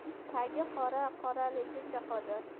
tagi qora qoraligicha qolar